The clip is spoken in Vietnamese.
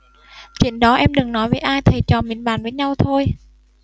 chuyện đó em đừng nói với ai thầy trò mình bàn với nhau thôi